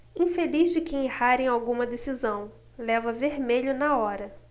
infeliz de quem errar em alguma decisão leva vermelho na hora